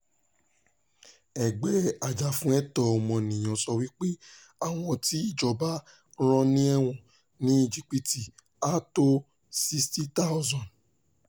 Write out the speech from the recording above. Ẹgbẹ́ ajàfúnẹ̀tọ́ ọmọnìyàn sọ wípé, àwọn tí ìjọba rán ní ẹ̀wọ̀n ní Íjípìtì á tó 60,000.